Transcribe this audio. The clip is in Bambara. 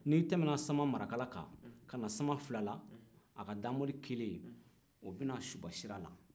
n'i tɛmɛna saman marakala kan ka na saman fulala a ka damoli kelen o bɛ na suba sira la